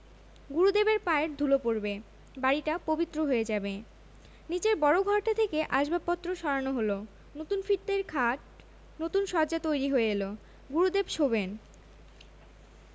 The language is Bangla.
গুরুদেবের পায়ের ধুলো পড়বে বাড়িটা পবিত্র হয়ে যাবে নীচের বড় ঘরটা থেকে আসবাবপত্র সরানো হলো নতুন ফিতের খাট নতুন শয্যা তৈরি হয়ে এলো গুরুদেব শোবেন